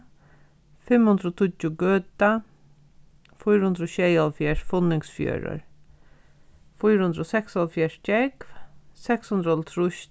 fimm hundrað og tíggju gøta fýra hundrað og sjeyoghálvfjerðs funningsfjørður fýra hundrað og seksoghálvfjerðs gjógv seks hundrað og hálvtrýss